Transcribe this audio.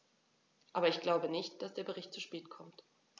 Aber ich glaube nicht, dass der Bericht zu spät kommt.